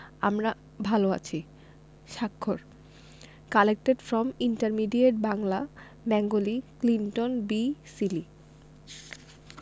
আমরা ভালো আছি স্বাক্ষর collected from intermediate Bangla Bengali Clinton B Seely